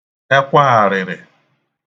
ẹkwa arị̀rị